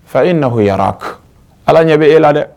Fa i nahuyarak Ala ɲɛ bɛ e la dɛ